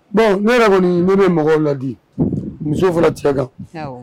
Ne yɛrɛ kɔni ne bɛ mɔgɔw ladi muso fana tɛ kan